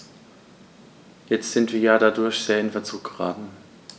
Jetzt sind wir dadurch sehr in Verzug geraten.